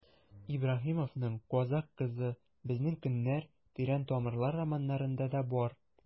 Ибраһимовның «Казакъ кызы», «Безнең көннәр», «Тирән тамырлар» романнарында да бар.